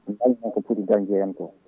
mi daaña hen ko pooti dañje hen ko